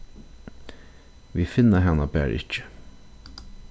vit finna hana bara ikki